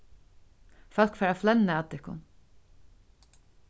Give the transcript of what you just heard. fólk fara at flenna at tykkum